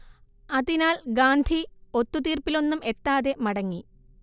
അതിനാൽ ഗാന്ധി ഒത്തുതീർപ്പിലൊന്നും എത്താതെ മടങ്ങി